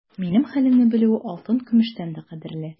Минем хәлемне белүе алтын-көмештән дә кадерле.